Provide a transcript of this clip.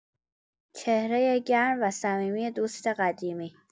چهره گرم و صمیمی دوست قدیمی